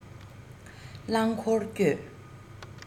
རླང འཁོར བསྐྱོད